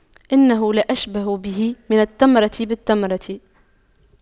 إنه لأشبه به من التمرة بالتمرة